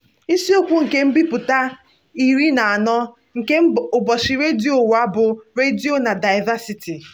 Isiokwu nke mbipụta 14 nke Ụbọchị Redio Ụwa bụ "Radio na Diversity".